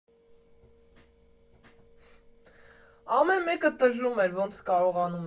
Ամեն մեկը տժժում էր, ոնց կարողանում էր։